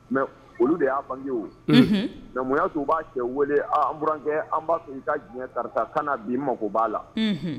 Mais olu de y'a bange wo, unhun mais mun y'a to u b'a cɛ weele aa an nburankɛ, an b'a fɛ i ka jkarisa Fana bi n mako b'a la.